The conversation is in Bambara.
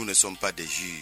U de nisɔn pa desi ye